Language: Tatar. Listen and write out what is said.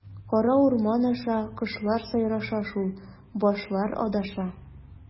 Кара урман аша, кошлар сайраша шул, башлар адаша.